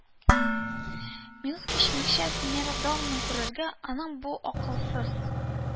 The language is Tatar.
Минут кичекмичә смердовны күрергә, аның бу акылсыз